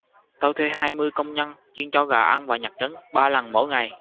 tôi thuê hai mươi công nhân chuyên cho gà ăn và nhặt trứng ba lần mỗi ngày